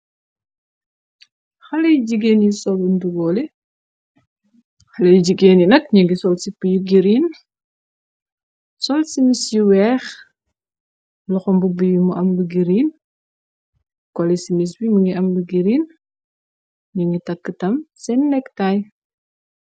Xaley jigéen yi solu ndu woole, xale y jigéen i nag ningi sol sipi yu giriin, sol ci mis yu weex, loxo mbubb yu mu amb giriin, kole simis bi mu ngi amb giriin, ni ngi takktam seen nekk taay.